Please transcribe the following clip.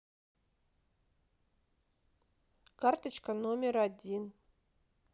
карточка номер один